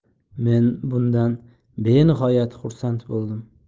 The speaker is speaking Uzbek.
men bundan benihoyat xursand bo'ldim